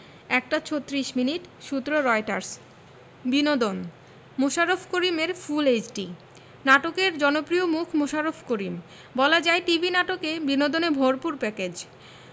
১ টা ৩৬ মিনিট সূত্রঃ রয়টার্স বিনোদন মোশাররফ করিমের ফুল এইচডি নাটকের জনপ্রিয় মুখ মোশাররফ করিম বলা যায় টিভি নাটকে বিনোদনে ভরপুর প্যাকেজ